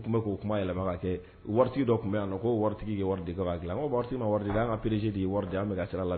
O tun bɛ ko Kuma yɛlɛma ka kɛ, waritigi dɔ tun bɛ yan nɔ, k'o waritigi ye wari de kɛ ka dilan. K'o waritigi ma wari di, an ka PDG de wari di an bɛ ka sira la